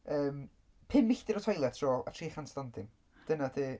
Yym pum milltir o toilet roll, a tri chant stondin. Dyna 'di...